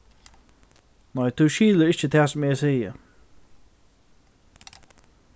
nei tú skilur ikki tað sum eg sigi